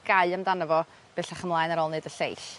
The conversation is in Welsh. gau amdano fo bellach ymlaen ar ôl neud y lleill.